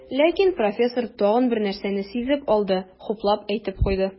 Ләкин профессор тагын бер нәрсәне сизеп алды, хуплап әйтеп куйды.